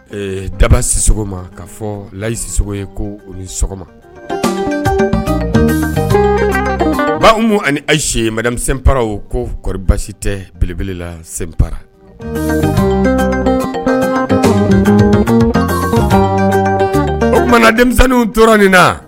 Ee dabasi sɔgɔma k ka fɔ layisiso ko u sɔgɔma b' ani ayise ma paw koɔri basi tɛ belebelela sen pa mana denmisɛnninw tɔɔrɔin na